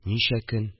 Ничә көн